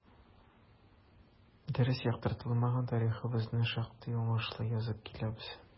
Дөрес яктыртылмаган тарихыбызны шактый уңышлы язып киләбез.